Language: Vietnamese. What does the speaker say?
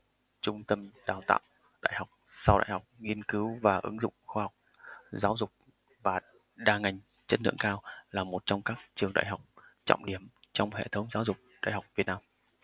trung tâm đào tạo đại học sau đại học nghiên cứu và ứng dụng khoa học giáo dục và đa ngành chất lượng cao là một trong các trường đại học trọng điểm trong hệ thống giáo dục đại học việt nam